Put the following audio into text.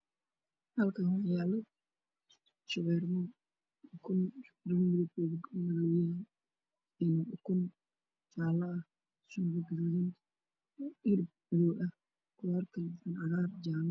Halkaan waxaa yaalo shawaarmo midabkeedu uu yahay jaale, suugo gaduudan, canab madow ah, qudaar kale oo cagaar iyo jaale ah.